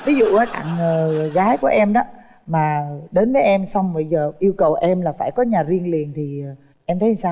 thí dụ ớ bạn gái của em mà đến với em xong bây giờ yêu cầu em là phải có nhà riêng liền thì em thấy sao